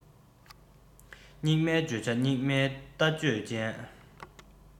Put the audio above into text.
སྙིགས མའི བརྗོད བྱ སྙིགས མའི ལྟ སྤྱོད ཅན